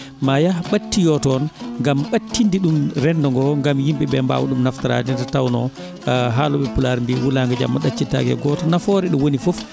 ma yaah ɓattiyo toon gam ɓattinde ɗum rendogo gam yimɓeɓe mbawa ɗum naftorade nde tawno haaloɓe puular mbi wuulague jamma ɗaccittake e goto nafoore ɗo woni fof